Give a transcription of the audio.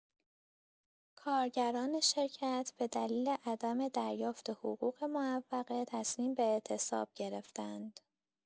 کارگران شرکت به دلیل عدم دریافت حقوق معوقه، تصمیم به اعتصاب گرفتند.